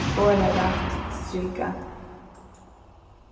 orðarætt strika